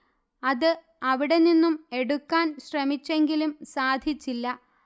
അത് അവിടെനിന്നും എടുക്കാൻ ശ്രമിച്ചെങ്കിലും സാധിച്ചില്ല